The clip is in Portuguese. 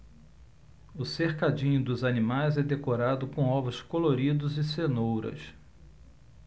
o cercadinho dos animais é decorado com ovos coloridos e cenouras